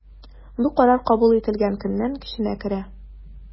Бу карар кабул ителгән көннән көченә керә.